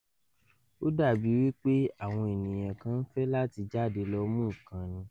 Ó dàbí wípé àwọn ènìyàn kàn fẹ́ láti jáde lọ mu nkan ni.